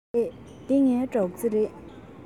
རེད འདི ངའི སྒྲོག རྩེ རེད